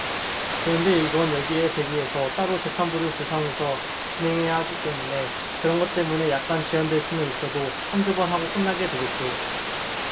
그런데 이건 여기에 대비해서 따로 재판부를 구성해서 진행해야 하기 때문에 그런 것 때문에 약간 지연될 수는 있어도 한 두 번 하고 끝나게 되겠죠